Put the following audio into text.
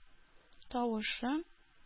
Тавышы